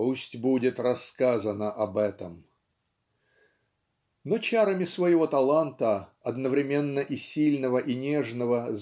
пусть будет рассказано об этом"), но чарами своего таланта одновременно и сильного и нежного